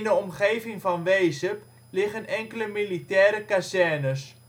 omgeving van Wezep liggen enkele militaire kazernes